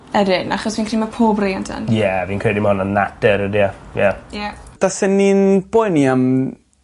Ydyn achos fi'n cre'u ma' pob riant yn. Ie fi'n credu ma' wnna'n natur ydi e? Ie. Ie. Bysen i'n poeni am